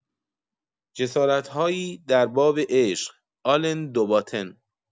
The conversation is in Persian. جستارهایی در باب عشق، آلن دوباتن